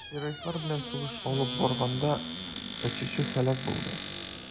Террористлар белән сугыш алып барганда очучы һәлак булды.